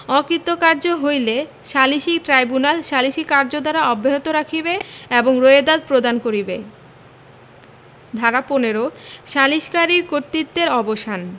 অকৃতভার্য হইলে সালিসী ট্রাইব্যুনাল সালিসী কার্যধারা অব্যাহত রাখিবে এবং রোয়েদাদ প্রদান করিবে ধারা ১৫ সালিসকারীর কর্তৃত্বের অবসান